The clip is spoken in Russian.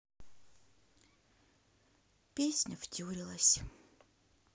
песня втюрилась